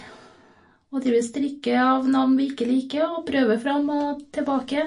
Og driver og stryker av navn vi ikke liker og prøver fram og tilbake.